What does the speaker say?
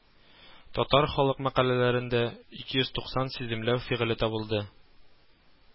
Татар халык мәкальләрендә ике йөз туксан сиземләү фигыле табылды